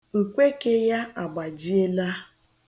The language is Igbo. Nkweke ya agbajiela.